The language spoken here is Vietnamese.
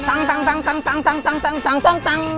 tăng tăng tăng tăng tăng tăng tăng tăng tăng tăng tằng